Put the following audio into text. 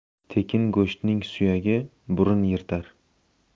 tekin go'shtning suyagi burun yirtar